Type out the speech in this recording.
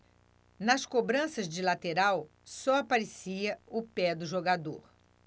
nas cobranças de lateral só aparecia o pé do jogador